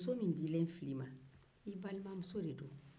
muso min dilen filɛ i ma i balimamuso don